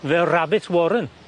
Fel rabbit warren.